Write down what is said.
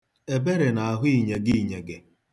Ebere na-ahụ inyege inyege.